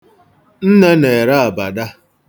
Nne na-ere abada.